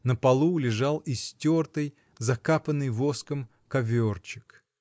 на полу лежал истертый, закапанный воском коверчик